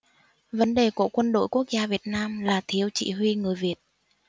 vấn đề của quân đội quốc gia việt nam là thiếu chỉ huy người việt